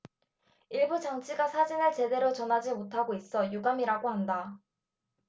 일부 장치가 사진을 제대로 전하지 못하고 있어 유감이라고 한다